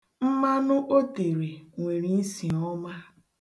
Mmanụ o tere nwere isi ọma.